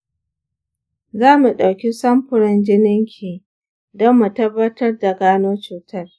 zamu dauki samfurin jininki don mu tabbar da gano cutar.